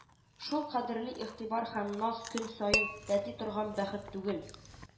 Шул кадәрле игътибар һәм наз көн саен тәти торган бәхет түгел